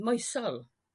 moesol.